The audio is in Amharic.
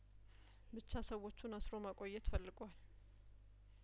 ብቻ ሰዎቹን አስሮ ማቆየት ፈልጓል